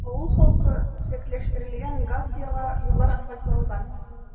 Авыл халкы үзәкләштерелгән газ яга, юллар асфальтланган.